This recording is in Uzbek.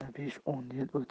yana besh o'n